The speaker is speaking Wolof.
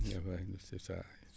waaw baax na c' est ça